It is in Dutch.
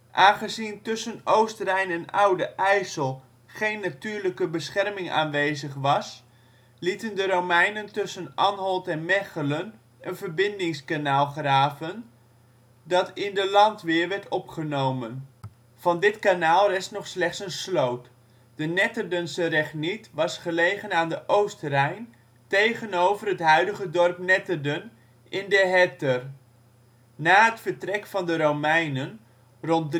Aangezien tussen Oost-Rijn en Oude IJssel geen natuurlijke bescherming aanwezig was, lieten de Romeinen tussen Anholt en Megchelen een verbindingskanaal graven, dat in de landweer werd opgenomen. Van dit kanaal rest nog slechts een sloot. De Netterdense regniet was gelegen aan de Oost-Rijn tegenover het huidige dorp Netterden, in de Hetter. Na het vertrek van de Romeinen, rond